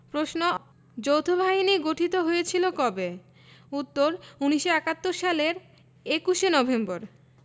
প্রশ্ন যৌথবাহিনী গঠিত হয়েছিল কবে উত্তর ১৯৭১ সালের ২১ নভেম্বর